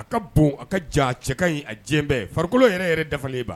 A ka bon a ka ja cɛ ka ɲi a jɛ bɛɛ farikolo yɛrɛ yɛrɛ dafalen